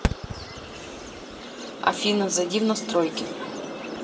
афина зайди в настройки